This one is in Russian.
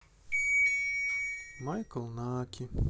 майкл наки